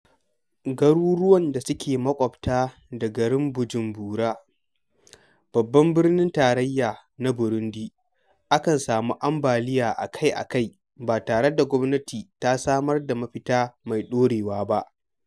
Garuruwan da suke makwabtaka da garin Bujumbura, babban birinin tarayya na Burundi, akan samu ambaliya a-kai-a-kai ba tare da gwamnati ta samar da mafita mai ɗorewa ba.